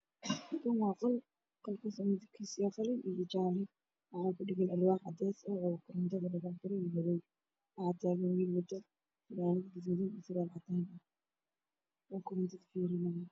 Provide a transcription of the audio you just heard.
Halkan waa qol qolkaasoo midabkiisu yahay jaalo waxaa ku dhagan alwaax cadaadis ah raali geeridii shareecadan